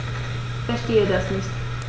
Verstehe das nicht.